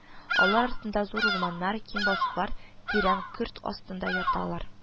Алар артында зур урманнар, киң басулар тирән көрт астында яталар